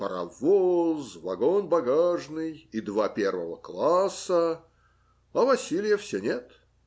паровоз, вагон багажный и два первого класса, а Василия все нет.